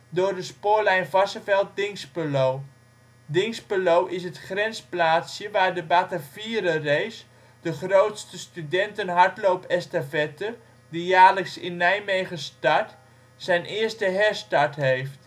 door de spoorlijn Varsseveld - Dinxperlo. Dinxperlo is het grensplaatsje waar de Batavierenrace, de grootste studentenhardloopestafette, die jaarlijks in Nijmegen start, zijn eerste herstart heeft